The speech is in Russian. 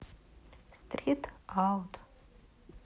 стрит аут